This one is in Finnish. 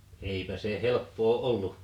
eipä se helppoa ollut